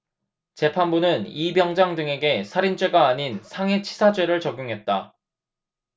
재판부는 이 병장 등에게 살인죄가 아닌 상해치사죄를 적용했다